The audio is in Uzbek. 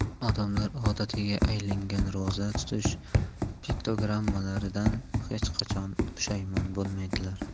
odamlar odatiga aylangan ro'za tutish piktogrammalaridan hech qachon pushaymon bo'lmaydilar